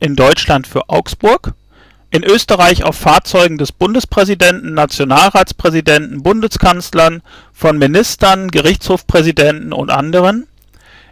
in Deutschland für Augsburg. in Österreich auf Fahrzeugen des Bundespräsidenten, Nationalratspräsidenten, Bundeskanzlers, von Ministern, Gerichtshofpräsidenten etc..